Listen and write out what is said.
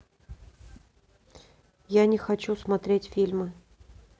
я не хочу смотреть фильмы